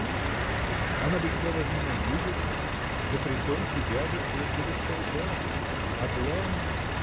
Нет, она бы тебя возненавидела, да притом тебя бы отдали в солдаты. А главное